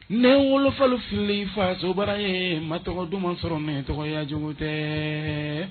Ne n wolofalofi in fasobara ye ma tɔgɔ duman sɔrɔ mɛ tɔgɔya cogo tɛ